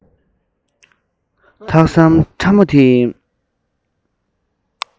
ཐག ཟམ ཕྲ མོ དེ ཡིན